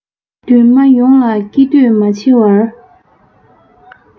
འདུན མ ཡོངས ལ སྐྱིད འདོད མ ཆེ བར